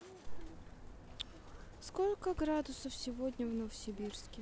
сколько градусов сегодня в новосибирске